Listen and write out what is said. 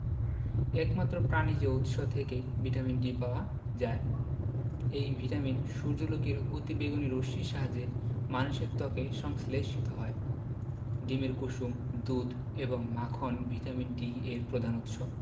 একমাত্র প্রাণিজ উৎস থেকেই ভিটামিন D পাওয়া যায় এই ভিটামিন সূর্যালোকের অতিবেগুনি রশ্মির সাহায্যে মানুষের ত্বকে সংশ্লেষিত হয় ডিমের কুসুম দুধ এবং মাখন ভিটামিন D এর প্রধান উৎস